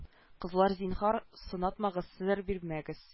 Кызлар зинһар сынатмагыз сер бирмәгез